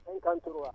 53